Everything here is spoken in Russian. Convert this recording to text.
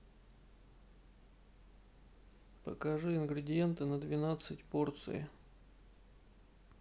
покажи ингредиенты на двенадцать порций